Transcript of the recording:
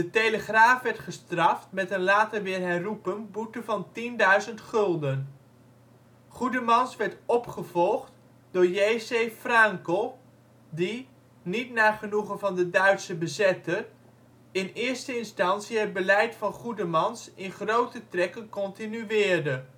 Telegraaf werd gestraft met een (later weer herroepen) boete van f 10.000 (2005: € 69.000). Goedemans werd opgevolgd door J.C. Fraenkel, die - niet naar genoegen van de Duitse bezetter - in eerste instantie het beleid van Goedemans in grote trekken continueerde